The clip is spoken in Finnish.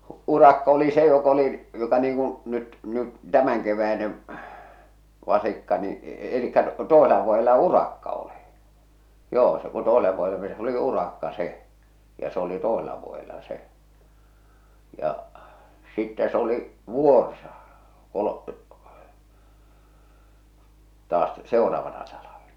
urakka oli se joka oli jota niin kuin nyt nyt tämänkeväinen vasikka niin eli toisella vuodella urakka oli joo se kun toiselle vuodelle meni se oli urakka se ja se oli toisella vuodella se ja sitten se oli vuorsa - taas seuraavana talvena